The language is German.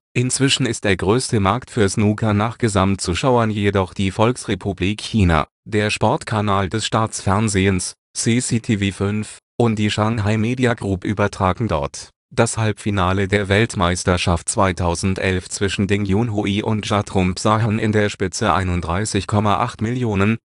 Inzwischen ist der größte Markt für Snooker nach Gesamtzuschauern jedoch die Volksrepublik China. Der Sportkanal des Staatsfernsehens (CCTV-5) und die Shanghai Media Group übertragen dort. Das Halbfinale der Weltmeisterschaft 2011 zwischen Ding Junhui und Judd Trump sahen in der Spitze 31,8 Millionen